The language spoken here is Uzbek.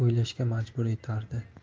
o'ylashga majbur etardi